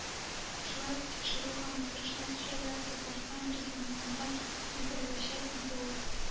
Шулай ук тикшерү һәм утырыш нәтиҗәләре Татарстан Президентына белдереләчәк диде ул.